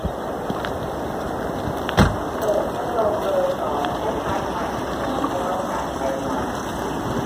เปิดพัดลมเบอร์สองให้พัดมาที่ฉันไม่ต้องส่ายไปมา